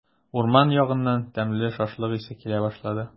Урман ягыннан тәмле шашлык исе килә башлады.